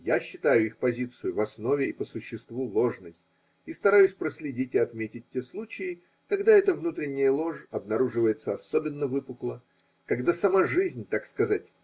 Я считаю их позицию в основе и по существу ложной и стараюсь проследить и отметить те случаи, когда эта внутренняя ложь обнаруживается особенно выпукло, когда сама жизнь, так сказать.